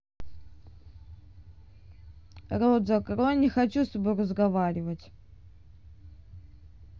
рот закрой не хочу с тобой разговаривать